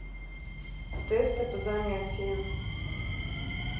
тесты по занятиям